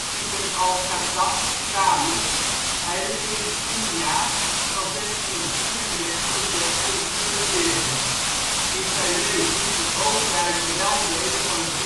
ibn al-Khattab kalief. Hij regeerde tien jaar (van 634 tot 644). In zijn leven veroverde hij zowel delen van het